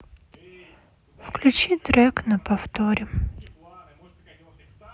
включи трек на повторение